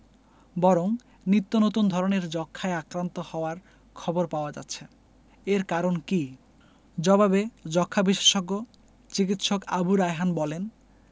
বরং নিত্যনতুন ধরনের যক্ষ্মায় আক্রান্ত হওয়ার খবর পাওয়া যাচ্ছে এর কারণ কী জবাবে যক্ষ্মা বিশেষজ্ঞ চিকিৎসক আবু রায়হান বলেন